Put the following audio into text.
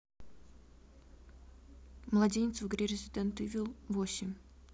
младенец в игре resident evil восемь